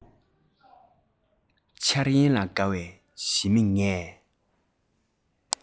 འཆར ཡན ལ དགའ བའི ཞི མི ངས